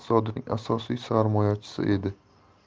kuba iqtisodiyotining asosiy sarmoyachisi edi